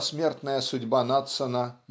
посмертная судьба Надсона